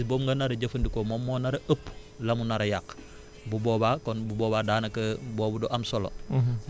xaalis boobu nga nar a jëfandikoo moom moo nar a ëpp la mu nar a yàq bu boobaa kon bu boobaa daanaka boobu du am solo